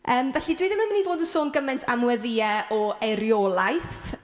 Yym felly, dwi ddim yn mynd i fod yn sôn gymaint am weddïau o eiriolaeth.